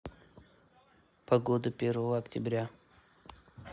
погода первого октября